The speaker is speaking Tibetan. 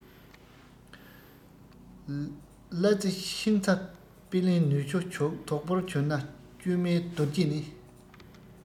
གླ རྩི ཤིང ཚ པི ལིང ནུ ཞོ བྱུག དོག པོར གྱུར ན བཅོས མའི རྡོ རྗེ ནི